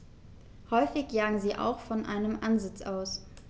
Häufig jagen sie auch von einem Ansitz aus.